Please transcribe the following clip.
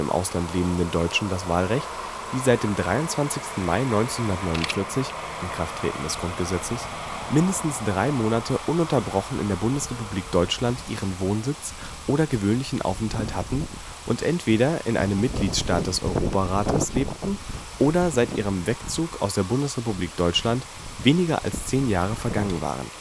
Ausland lebenden Deutschen das Wahlrecht, die seit dem 23. Mai 1949 (Inkrafttreten des Grundgesetzes) mindestens drei Monate ununterbrochen in der Bundesrepublik Deutschland ihren Wohnsitz oder gewöhnlichen Aufenthalt hatten und entweder in einem Mitgliedsstaat des Europarates lebten oder seit ihrem Wegzug aus der Bundesrepublik Deutschland weniger als 10 Jahre vergangen waren